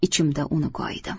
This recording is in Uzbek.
ichimda uni koyidim